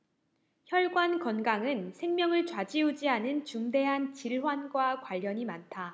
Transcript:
혈관 건강은 생명을 좌지우지하는 중대한 질환과 관련이 많다